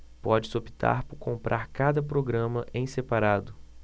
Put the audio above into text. pode-se optar por comprar cada programa em separado